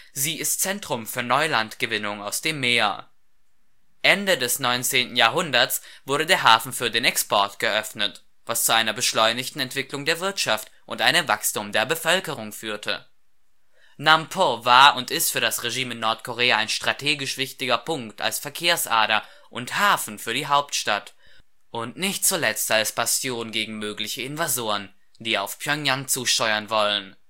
Sie ist ein Zentrum für Neulandgewinnung aus dem Meer. Ende des 19. Jahrhunderts wurde der Hafen für den Export geöffnet, was zu einer beschleunigten Entwicklung der Wirtschaft und einem Wachstum der Bevölkerung führte. Namp’ o war und ist für das Regime in Nordkorea ein strategisch wichtiger Punkt als Verkehrsader und Hafen für die Hauptstadt und nicht zuletzt als Bastion gegen mögliche Invasoren, die auf Pjöngjang zusteuern wollen